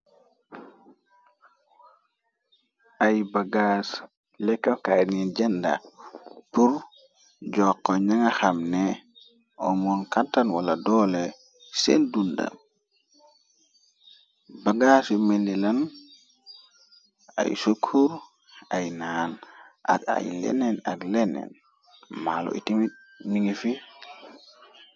ay bagaas lekkokaay ni jenda pur jokxo ñanga xamne omoon kàntan wala doole seen dunda bagaas yu menilan ay sukur ay naan ak ay leneen ak leneen maalo iti mi ngi fi